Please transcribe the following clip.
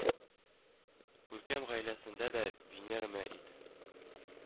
Күркәм гаиләсендә дә Венера Мә ит